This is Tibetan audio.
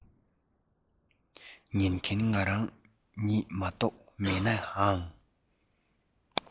ཉན མཁན ང རང ཉིད མ གཏོགས མེད ནའང